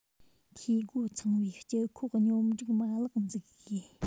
འཐུས སྒོ ཚང བའི སྤྱི ཁོག སྙོམས སྒྲིག མ ལག འཛུགས དགོས